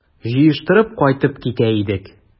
Җыештырып кайтып китә идек...